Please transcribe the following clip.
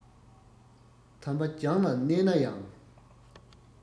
དམ པ རྒྱང ན གནས ན ཡང